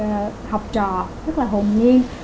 ờ học trò rất là hồn nhiên